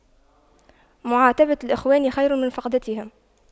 معاتبة الإخوان خير من فقدهم